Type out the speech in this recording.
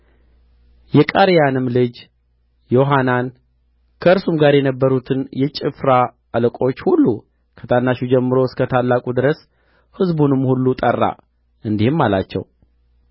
የቃሬያንም ልጅ ዮሐናንን ከእርሱም ጋር የነበሩትን የጭፍራ አለቆች ሁሉ ከታናሹ ጀምሮ እስከ ታላቁ ድረስ ሕዝቡንም ሁሉ ጠራ እንዲህም አላቸው